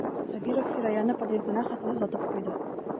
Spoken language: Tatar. Сабиров Фираяны подъездына хәтле озатып куйды.